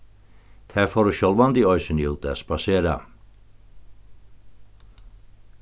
tær fóru sjálvandi eisini út at spasera